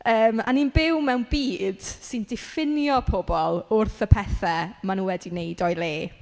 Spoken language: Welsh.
Yym a ni'n byw mewn byd sy'n diffinio pobl wrth y pethau maen nhw wedi gwneud o'i le.